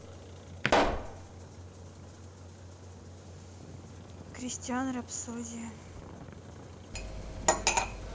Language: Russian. кристиан рапсодия